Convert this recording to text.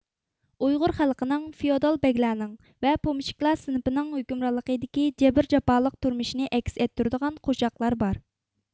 ئۇيغۇر خەلقىنىڭ فېئۇدال بەگلەرنىڭ ۋە پومېشچىكلار سىنىپىنىڭ ھۆكۈمرانلىقىدىكى جەبىر جاپالىق تۇرمۇشىنى ئەكس ئەتتۈرىدىغان قوشاقلار بار